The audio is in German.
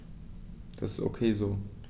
Das ist ok so.